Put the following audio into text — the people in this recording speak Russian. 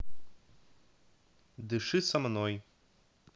дыши со мной